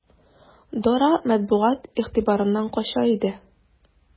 Дора матбугат игътибарыннан кача иде.